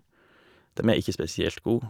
Dem er ikke spesielt god.